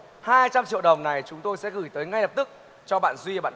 hai trăm triệu đồng này chúng tôi sẽ gửi tới ngay lập tức cho bạn duy và